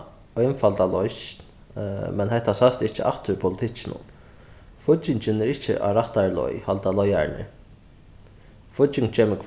einfalda loysn men hetta sæst ikki aftur í politikkinum fíggingin er ikki á rættari leið halda leiðararnir fígging kemur